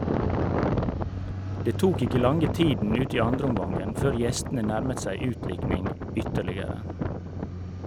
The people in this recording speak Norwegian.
Det tok ikke lange tiden ut i andreomgangen før gjestene nærmet seg utlikning ytterligere.